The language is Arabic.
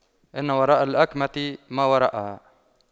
إن وراء الأَكَمةِ ما وراءها